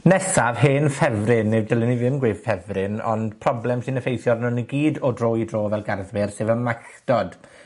Nesaf hen ffefryn, ne' dylwn i ddim gweu' ffefryn, ond problem sy'n effeithio arnon ni gyd o dro i dro fel garddwyr, sef y Malldod.